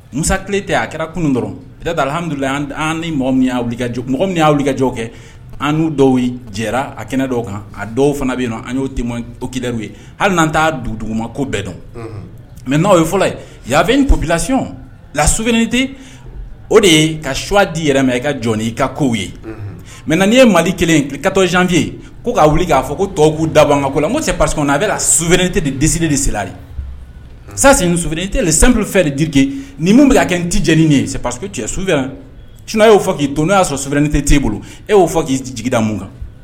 Musatile tɛ a kɛra kunun dɔrɔn i alihamidula ni mɔgɔ min y'wu wuli kajɔ kɛ an dɔw jɛra a kɛnɛ dɔw kan a dɔw fana bɛ yen an'o te kidaw ye hali n'an taa dugu ma ko bɛɛ dɔn mɛ n'aw ye fɔlɔ'a bɛ kobilasiɔn la soin tɛ o de ye ka suwa di yɛrɛ i ka jɔn i ka kow ye mɛ n' ye mali kelen katɔ janfiye ko k'a wuli k'a fɔ ko tɔku dabɔ ka ko la n ko cɛ parik kɔnɔ a bɛ soin tɛ de de seri sabulasi subine tɛ de santu fɛ de dike nin min bɛ kɛ n tɛ jeli ye pa que cɛ suy y' fɔ k'i to n'o y'a su sɛbɛnin tɛ'e bolo e y'o fɔ k'i jigida mun kan